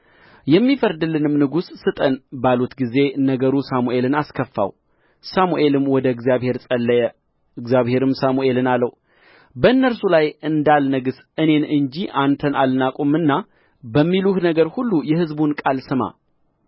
የሚፈርድልንም ንጉሥ ስጠን ባሉት ጊዜ ነገሩ ሳሙኤልን አስከፋው ሳሙኤልም ወደ እግዚአብሔር ጸለየ እግዚአብሔርም ሳሙኤልን አለው በእነርሱ ላይ እንዳልነግሥ እኔን እንጂ አንተን አልናቁምና በሚሉህ ነገር ሁሉ የሕዝቡን ቃል ስማ